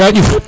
ga ƴuf